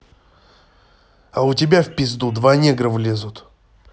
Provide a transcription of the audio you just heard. а у тебя в пизду два негра влезут